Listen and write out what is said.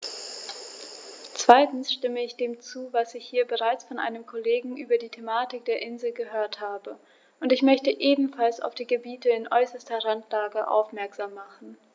Zweitens stimme ich dem zu, was ich hier bereits von einem Kollegen über die Thematik der Inseln gehört habe, und ich möchte ebenfalls auf die Gebiete in äußerster Randlage aufmerksam machen.